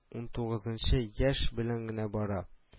Унтугызынчы яшь белән генә бара